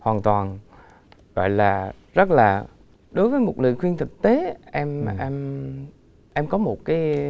hoàn toàn gọi là rất là đối với một lời khuyên thực tế em em em có một cái